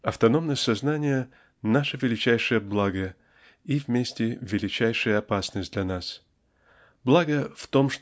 Автономность сознания--наше величайшее благо и вместе величайшая опасность для нас. Благо в том